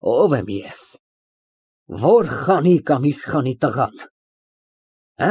Ո՞վ եմ ես, ո՞ր խանի կամ իշխանի տղան։